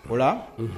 O